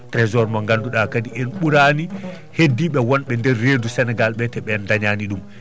trésor mo ngannduɗaa kadi en ɓuurani heddiɓe wonɓe nder reedu Sénégal ɓe te ɓen dañani ɗum